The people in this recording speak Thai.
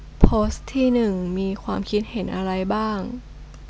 โพสต์ที่หนึ่งมีความคิดเห็นอะไรบ้าง